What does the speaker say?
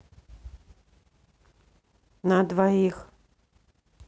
на двоих